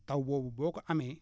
taw boobu boo ko amee